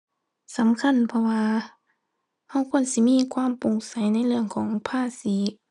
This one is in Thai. สำคัญ เพราะว่าเราควรสิมีความโปร่งใสในเรื่องของภาษี